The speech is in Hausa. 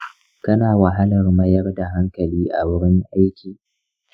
kana wahalar mayyar da hankali a wurin aiki?